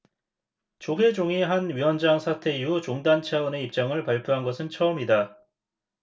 조계종이 한 위원장 사태 이후 종단 차원의 입장을 발표한 것은 처음이다